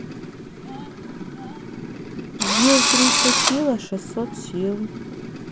зил триста сил а шестьсот сил